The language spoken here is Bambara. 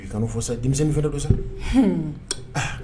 Ii fɔ sa denmisɛn fana don sa